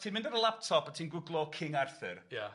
...ti'n mynd efp laptop a ti'n gwglo King Arthur... Ia.